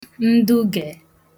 ndụgè